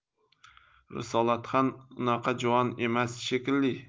risolatxon unaqa juvon emas shekilli